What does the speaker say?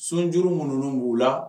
Sunjuru minu n' u b'u la